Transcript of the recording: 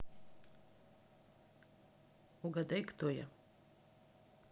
угадай кто я